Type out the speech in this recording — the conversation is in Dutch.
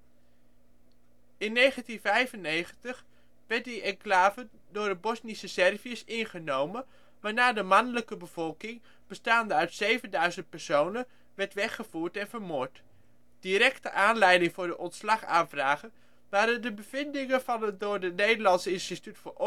In 1995 werd die enclave door de Bosnische Serviërs ingenomen, waarna de mannelijke bevolking, bestaande uit 7000 personen, werd weggevoerd en vermoord. Directe aanleiding voor de ontslagaanvrage waren de bevindingen van een door het Nederlands Instituut voor Oorlogsdocumentatie